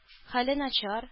Хәле начар